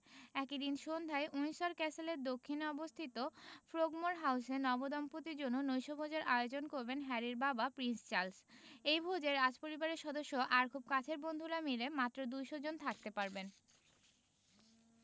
একই দিন সন্ধ্যায় উইন্ডসর ক্যাসেলের দক্ষিণে অবস্থিত ফ্রোগমোর হাউসে নবদম্পতির জন্য নৈশভোজের আয়োজন করবেন হ্যারির বাবা প্রিন্স চার্লস এই ভোজে রাজপরিবারের সদস্য আর খুব কাছের বন্ধুরা মিলে মাত্র ২০০ জন থাকতে পারবেন